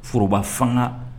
Foroba fana